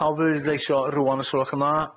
Pawb o bleidleisio rŵan os gwelwch yn dda?